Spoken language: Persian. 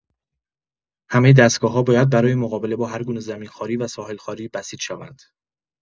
همه دستگاه‌ها باید برای مقابله با هرگونه زمین‌خواری و ساحل خواری بسیج شوند.